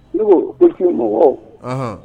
Ne ko politique mɔgɔw